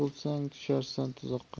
bo'lsang tusharsan tuzoqqa